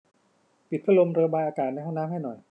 ปิดพัดลมระบายอากาศในห้องน้ำให้หน่อย